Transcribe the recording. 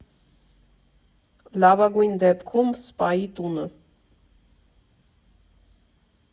Լավագույն դեպքում Սպայի տունը։